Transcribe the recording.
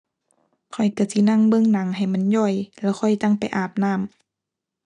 ข้อยก็สินั่งเบิ่งหนังให้มันย่อย แล้วค่อยจั่งไปอาบน้ำ